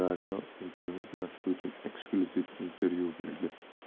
daryo internet nashri uchun eksklyuziv intervyu berdi